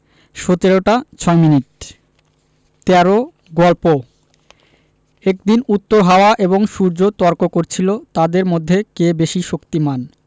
১৭ টা ৬ মিনিট ১৩ গল্প একদিন উত্তর হাওয়া এবং সূর্য তর্ক করছিল তাদের মধ্যে কে বেশি শক্তিমান